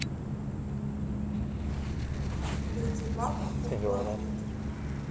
леди баг кукловод